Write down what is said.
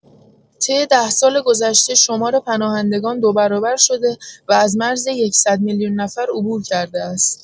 طی ده سال‌گذشته شمار پناهندگان دوبرابر شده و از مرز یکصد میلیون نفر عبور کرده است.